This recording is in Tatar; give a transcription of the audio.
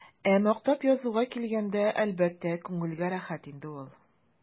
Ә мактап язуга килгәндә, әлбәттә, күңелгә рәхәт инде ул.